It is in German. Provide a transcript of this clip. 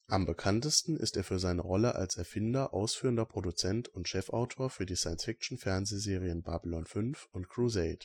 Am bekanntesten ist er für seine Rolle als Erfinder, ausführender Produzent und Chefautor für die Science Fiction-Fernsehserien Babylon 5 und Crusade